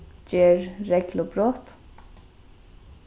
ger reglubrot